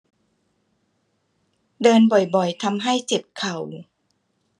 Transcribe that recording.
เดินบ่อยบ่อยทำให้เจ็บเข่า